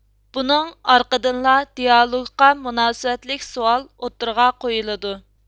بۇنىڭ ئارقىدىنلا دىئالوگقا مۇناسىۋەتلىك سوئال ئوتتۇرىغا قويۇلىدۇ